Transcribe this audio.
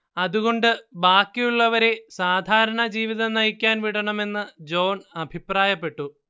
അതുകൊണ്ട് ബാക്കിയുള്ളവരെ സാധാരണജീവിതം നയിക്കാൻ വിടണമെന്ന് ജോൺ അഭിപ്രായപ്പെട്ടു